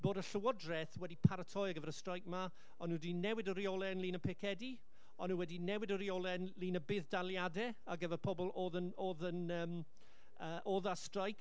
Bod y Llywodraeth wedi paratoi ar gyfer y streic 'ma. O'n nhw 'di newid y rheolau ynglyn â picedi. O'n nhw wedi newid y rheolau ynglyn â budd daliadau ar gyfer pobl oedd yn oedd yn yym yy... oedd ar streic.